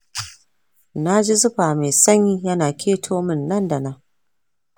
naji zufa mai sanyi yana ƙeto min nan da nan